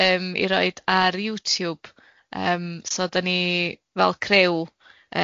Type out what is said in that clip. ond yym i roid ar YouTube, yym so dan ni fel criw